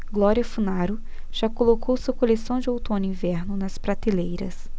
glória funaro já colocou sua coleção de outono-inverno nas prateleiras